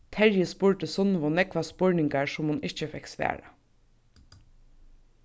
terji spurdi sunnevu nógvar spurningar sum hon ikki fekk svarað